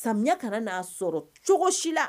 Samiya kana n'a sɔrɔ cogo si la